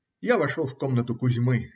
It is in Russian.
Я вошел в комнату Кузьмы.